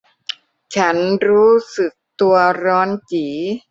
ฉันรู้สึกตัวร้อนจี๋